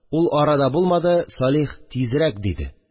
Ул ара да булмады, Салих: «Тизрәк!» – диде